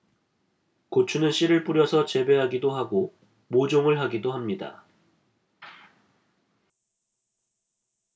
고추는 씨를 뿌려서 재배하기도 하고 모종을 하기도 합니다